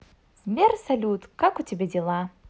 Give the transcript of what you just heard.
сбер салют как у тебя дела